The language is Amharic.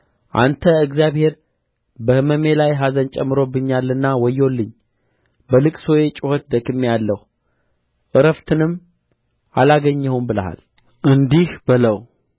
አንተ እግዚአብሔር በሕመሜ ላይ ኀዘንን ጨምሮብኛልና ወዮልኝ በልቅሶዬ ጩኸት ደክሜአለሁ ዕረፍትንም አላገኘሁም ብለሃል እንዲህ በለው